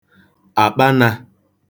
àkpalā